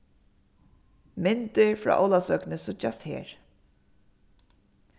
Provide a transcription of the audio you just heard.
myndir frá ólavsøkuni síggjast her